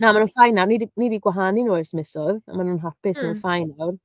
Na, maen nhw'n fine nawr. Ni 'di ni 'di gwahanu nhw ers misoedd, a maen nhw'n hapus... M-hm. ...maen nhw'n fine nawr.